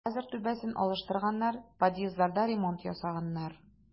Хәзер түбәсен алыштырганнар, подъездларда ремонт ясаганнар.